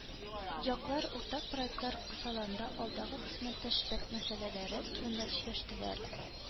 Яклар уртак проектлар кысаларында алдагы хезмәттәшлек мәсьәләләре турында сөйләштеләр.